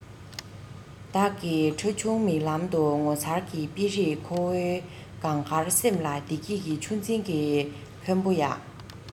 བདག གི ཁྲ ཆུང མིག ལམ དུ ངོ མཚར གྱི དཔེ རིས ཁོ བོའི གངས དཀར སེམས ལ བདེ སྐྱིད ཀྱི ཆུ འཛིན གྱི ཕོན པོ ཡ